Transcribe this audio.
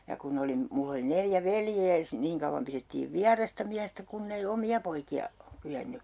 ja kun ne - minulla oli neljä veljeä - niin kauan pidettiin vierasta miestä kun ei omia poikia kyennyt